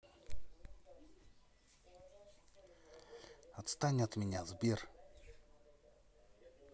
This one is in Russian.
отстань от меня сбер